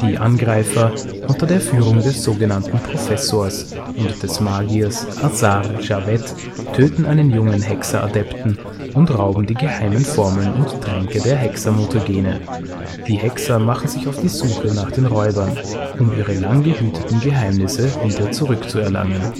Die Angreifer - unter der Führung des sogenannten „ Professors “und des Magiers Azar Javed - töten einen jungen Hexeradepten und rauben die geheimen Formeln und Tränke der Hexer-Mutagene. Die Hexer machen sich auf die Suche nach den Räubern, um ihre lang gehüteten Geheimnisse wieder zurück zu erlangen